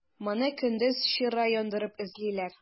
Моны көндез чыра яндырып эзлиләр.